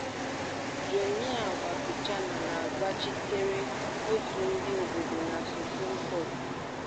Joenia Wapichana na-agbachitere òtù ndị obodo na Supreme Court.